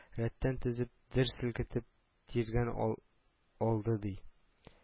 Рәттән тезеп, дер селкетеп тиргәп ал алды, ди: